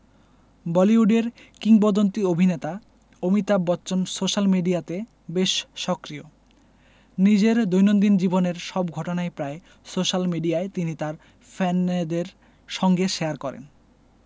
বলিউডের কিংবদন্তী অভিনেতা অমিতাভ বচ্চন সোশ্যাল মিডিয়াতে বেশ সক্রিয় নিজের দৈনন্দিন জীবনের সব ঘটনাই প্রায় সোশ্যাল মিডিয়ায় তিনি তার ফ্যানেদের সঙ্গে শেয়ার করেন